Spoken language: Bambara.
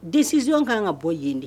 Desisi kan ka bɔ yen de